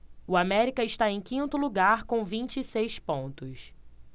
o américa está em quinto lugar com vinte e seis pontos